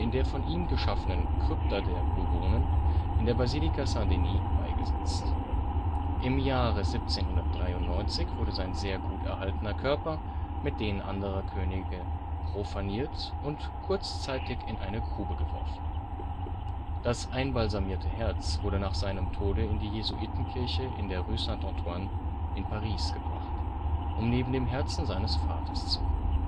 der von ihm geschaffenen „ Krypta der Bourbonen “in der Basilika Saint-Denis beigesetzt. Im Jahre 1793 wurde sein sehr gut erhaltener Körper mit denen anderer Könige „ profaniert “und kurzzeitig in eine Grube geworfen. Das einbalsamierte Herz wurde nach seinem Tode in die Jesuitenkirche in der Rue St. Antoine in Paris gebracht, um neben dem Herzen seines Vaters zu ruhen